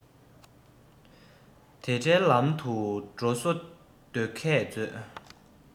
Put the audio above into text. དེ འདྲའི ལམ དུ འགྲོ བཟོ སྡོད མཁས མཛོད